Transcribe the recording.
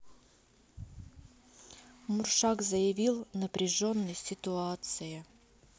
муршак заявил напряженной ситуации